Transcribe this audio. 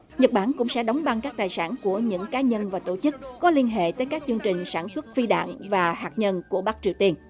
nhật bản cũng sẽ đóng băng các tài sản của những cá nhân và tổ chức có liên hệ tới các chương trình sản xuất phi đạn và hạt nhân của bắc triều tiên